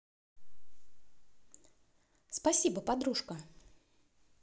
спасибо подружка